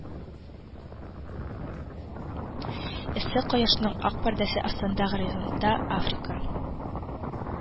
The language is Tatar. Эссе кояшның ак пәрдәсе астында горизонтта Африка